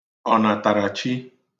ọ̀nàtàràchi